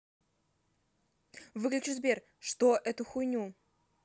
выключи сбер что эту хуйню